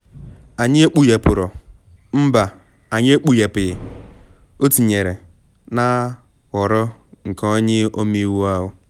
Anyị ekpughepuru...Mba, anyị ekpughipughi,” o tinyere, na nghọrọ nke onye ọmeiwu ahụ.